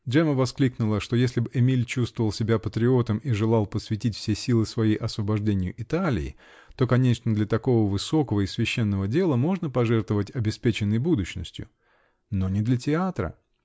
Джемма воскликнула, что если б Эмиль чувствовал себя патриотом и желал посвятить все силы свои освобождению Италии, то, конечно, для такого высокого и священного дела можно пожертвовать обеспеченной будущностью -- но не для театра!